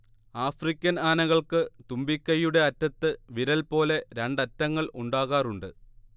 African ആനകൾക്ക് തുമ്പിക്കൈയുടെ അറ്റത്ത് വിരൽ പോലെ രണ്ട് അറ്റങ്ങൾ ഉണ്ടാകാറുണ്ട്